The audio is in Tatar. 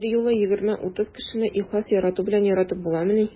Берьюлы 20-30 кешене ихлас ярату белән яратып буламыни?